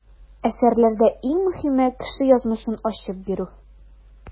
Әсәрләрдә иң мөһиме - кеше язмышын ачып бирү.